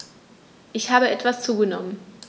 Ich habe etwas zugenommen